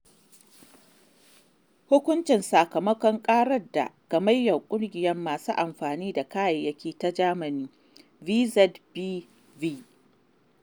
Hukuncin sakamakon ƙarar da Gamayyar Ƙungiyar Masu Amfani da Kayayyaki ta Germany, VZBV.